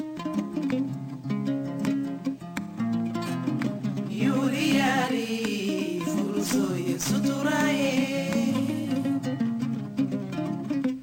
Yyarare furu ye suntura ye